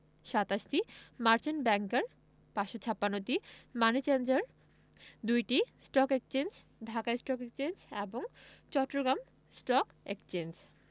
২৭টি merchant banker ৫৫৬টি money changer ২টি stock exchange Dhaka stock exchange এবং চট্টগ্রাম স্টক একচেঞ্জ